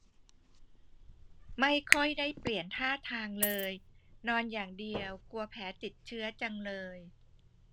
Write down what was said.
ไม่ค่อยได้เปลี่ยนท่าทางเลยนอนอย่างเดียวกลัวแผลติดเชื้อจังเลย